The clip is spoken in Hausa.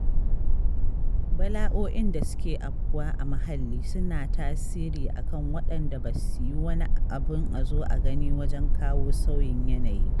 Bala'o'in da suke afkuwa a muhalli suna tasiri a kan waɗanda ba su yi wani abin a zo a gani wajen kawo sauyin yanayi.